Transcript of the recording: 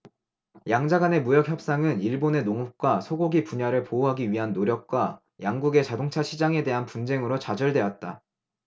양자간의 무역협상은 일본의 농업과 소고기 분야를 보호하기 위한 노력과 양국의 자동차 시장에 대한 분쟁으로 좌절돼왔다